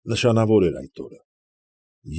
Նշանավոր էր այդ օրը։